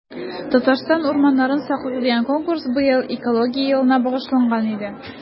“татарстан урманнарын саклыйк!” дигән конкурс быел экология елына багышланган иде.